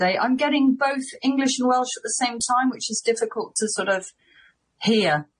I'm getting both English and Welsh at the same time which is difficult to sort of hear.